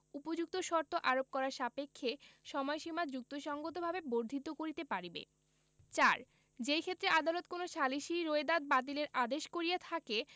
উপযুক্ত শর্ত আরোপ করা সাপেক্ষে সময়সীমা যুক্তিসংগতভাবে বর্ধিত করিতে পারিবে ৪ যেইক্ষেত্রে আদালত কোন সালিসী রোয়েদাদ বাতিলের আদেশ করিয়া থাকে